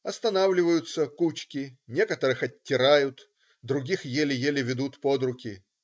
Останавливаются кучки, некоторых оттирают, других еле-еле ведут под руки.